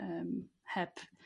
Yrm heb